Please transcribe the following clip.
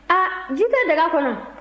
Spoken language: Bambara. a ji tɛ daga kɔnɔ